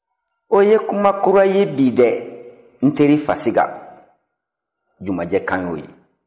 o ye kuma kura ye bi dɛ n teri fasiga jumanjɛ kan y'o ye